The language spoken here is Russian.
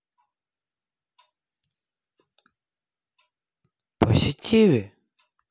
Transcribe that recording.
остроумную